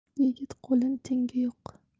yigit qo'lin tengi yo'q